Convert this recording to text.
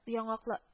Яңакла